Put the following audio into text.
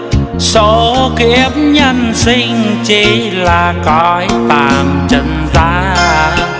số kiếp nhân sinh chỉ là cõi tàn trần gian